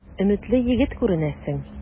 Өметле егет күренәсең.